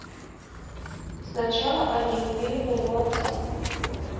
сначала они убили моего отца